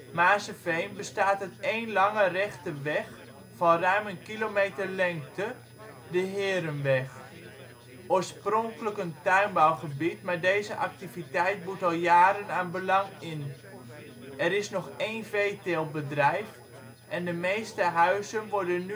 Maarsseveen bestaat uit één lange rechte weg van ruim een kilometer lengte, de Herenweg. Oorspronkelijk een tuinbouwgebied maar deze activiteit boet al jaren aan belang in. Er is nog één veeteeltbedrijf en de meeste huizen worden